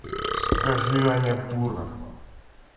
скажи аня дура